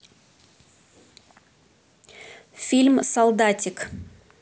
фильм солдатик